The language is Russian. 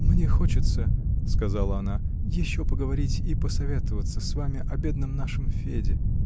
"Мне хочется, -- сказала она, -- еще поговорить и посоветоваться с вами о бедном нашем Феде".